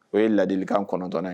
O ye ladilikan kɔnɔn9ɛ ye